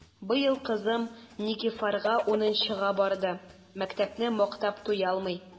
Быел кызым Никифарга унынчыга барды— мәктәпне мактап туялмый!